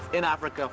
en a bách gâu